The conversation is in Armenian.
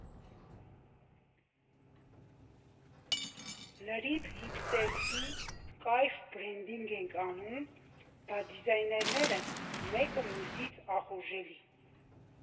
Լրիվ հիփստերսկի, կայֆ բրենդինգ ենք անում, բա դիզայներները՝ մեկը մյուսից ախորժելի։